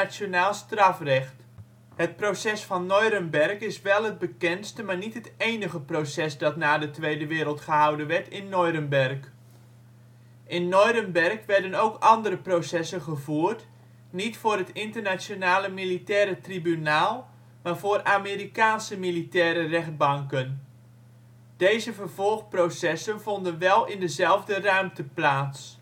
strafrecht. Het Proces van Neurenberg is wel het bekendste, maar niet het enige proces dat na de Tweede Wereldoorlog gehouden werd in Neurenberg. In Neurenberg werden ook andere processen gevoerd, niet voor het Internationale Militaire Tribunaal maar voor Amerikaanse militaire rechtbanken. Deze vervolgprocessen vonden wel in dezelfde ruimte plaats